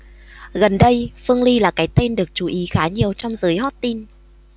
gần đây phương ly là cái tên được chú ý khá nhiều trong giới hot teen